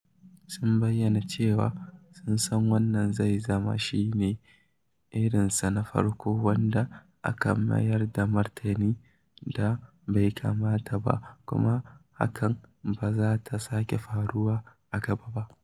Sun bayyana cewa sun san "wannan zai zama shi ne irinsa na farko wanda aka mayar da martanin da bai kamata ba kuma irin hakan ba za ta sake faruwa a gaba ba".